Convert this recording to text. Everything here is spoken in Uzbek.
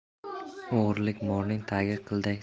o'g'irlik morning tagi qilday